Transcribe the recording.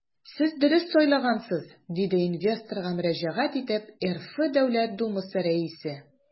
Сез дөрес сайлагансыз, - диде инвесторга мөрәҗәгать итеп РФ Дәүләт Думасы Рәисе.